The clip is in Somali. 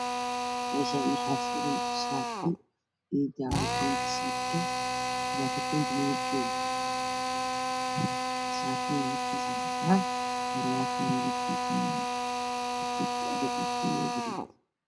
Meeshaan waxaa suran shaati iyo jaakad jaakatiinka midib kiisa waa madow